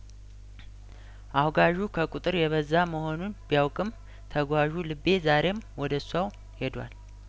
አውጋዡ ከቁጥር የበዛ መሆኑን ቢያውቅም ተጓዡ ልቤ ዛሬም ወደ ሷው ሄዷል